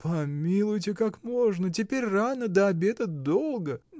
— Помилуйте, как можно, теперь рано: до обеда долго.